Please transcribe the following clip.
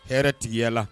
Hɛrɛ tigiya la.